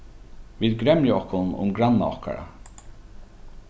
vit gremja okkum um granna okkara